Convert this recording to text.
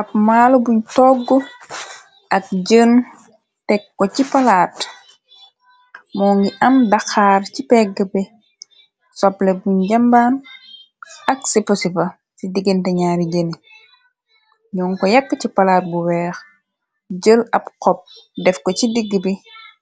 Ab maalo bun togg ak jën teg ko ci palaat moo ngi am daxaar ci pegg bi sople bu njambaan ak siposipa ci diggante ñaari jene ñoon ko yakk ci palaat bu weex jël ab xob def ko ci digg bi